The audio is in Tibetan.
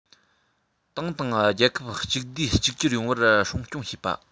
ཏང དང རྒྱལ ཁབ གཅིག བསྡུས གཅིག གྱུར ཡོང བར སྲུང སྐྱོང བྱེད པ